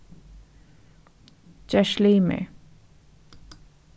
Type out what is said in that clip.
gerst limur